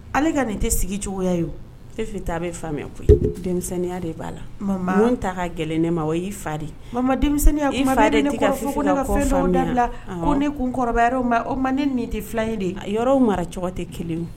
Ale ka nin tɛ sigi cogoya ye e taa a bɛ faamuya denmisɛnninya de b'a la an ta gɛlɛn ne ma o y ii fa deya da ko ne kun kɔrɔ o ma ne ni tɛ fila de yɔrɔ mara cogo tɛ kelen